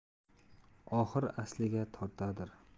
oxir asliga tortadir